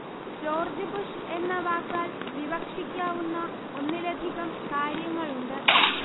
George Bush എന്ന വാക്കാല് വിവക്ഷിക്കാവുന്ന ഒന്നിലധികം കാര്യങ്ങളുണ്ട്